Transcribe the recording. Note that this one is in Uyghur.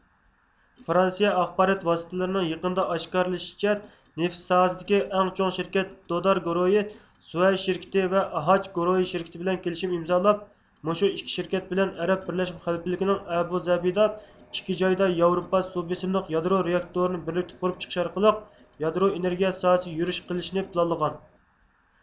فرانسىيە ئاخبارات ۋاستىلىرىنىڭ يېقىندا ئاشكارلىشىچە نېفىت ساھەسىدىكى ئەڭ چوڭ شىركەت دودار گۇرۇھى سۈۋەيش شىركىتى ۋە ئاھاچ گۇرۇھى شىركىتى بىلەن كېلىشىم ئىمزالاپ مۇشۇ ئىككى شىركەت بىلەن ئەرەپ بىرلەشمە خەلىپىلىكىنىڭ ئەبۇزەبىدا ئىككى جايدا ياۋروپا سۇ بېسىملىق يادرو رېئاكتورىنى بىرلىكتە قۇرۇپ چىقىش ئارقىلىق يادرو ئېنېرگىيە ساھەسىگە يۈرۈش قىلىشنى پىلانلىغان